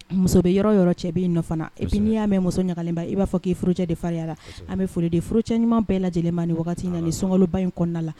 Muso yɔrɔ yɔrɔ cɛ' in fana i'i y'a mɛn muso ɲagakaba i b' fɔ k'iorojɛ de fari la an bɛ foli deorocɛ ɲuman bɛɛ lajɛlen ni wagati na ni sɔnkoloba in kɔnɔna la